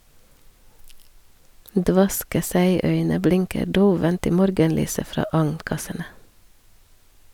Dvaske seiøyne blinker dovent i morgenlyset fra agnkassene.